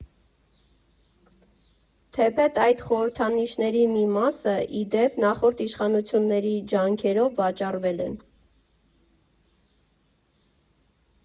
Թեպետ այդ խորհրդանիշների մի մասը, ի դեպ, նախորդ իշխանությունների ջանքերով վաճառվել են։